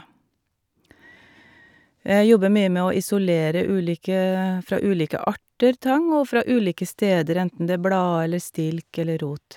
Jeg jobber mye med å isolere ulike fra ulike arter tang, og fra ulike steder, enten det er blad eller stilk eller rot.